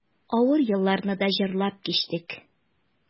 Авыр елларны да җырлап кичтек.